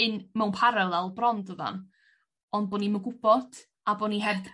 In mewn paralel bron dydan ond bo' ni'm yn gwbod a bo' ni heb